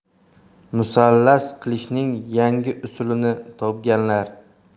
musallas qilishning yangi usulini topganlar